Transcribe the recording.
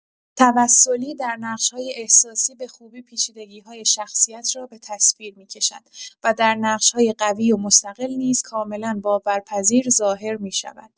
توسلی در نقش‌های احساسی به خوبی پیچیدگی‌های شخصیت را به تصویر می‌کشد و در نقش‌های قوی و مستقل نیز کاملا باورپذیر ظاهر می‌شود.